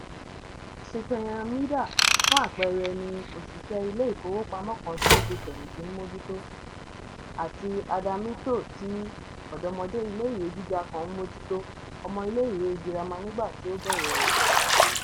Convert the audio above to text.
Citoyen Hmida, fún àpẹẹrẹ, ní òṣìṣẹ́ ilé ìfowópamọ́ kan tí ó ti fẹ̀yìntì ń mójútó; àti Adamito tí ọ̀dọ́mọdẹ́ ilé ìwé gíga kan ń mójútó (ọmọ ilé ìwé gírámà nígbà tí ó bẹ̀rẹ̀ rẹ̀).